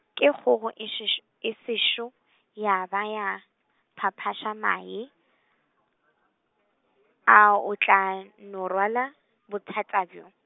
ke kgogo e šeš-, e sešo, ya ba ya, phaphaša mae , ao o tla no rwala, bothata bjoo.